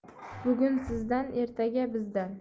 bugun sizdan ertaga bizdan